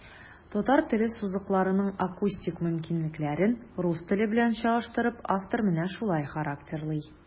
Татар теле сузыкларының акустик мөмкинлекләрен, рус теле белән чагыштырып, автор менә шулай характерлый.